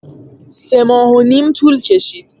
۳ ماه و نیم طول کشید.